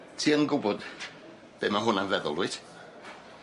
Ti yn gwybod be' ma' hwnna'n feddwl wyt?